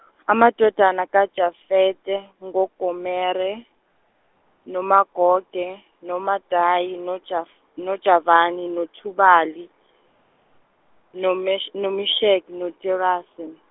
amadodana kaJafete ngoGomere, noMagoge, noMadayi, noJav- noJavani, noThubali, noMes- noMesheke, noTirase.